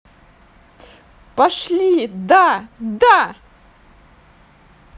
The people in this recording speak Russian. пошли да да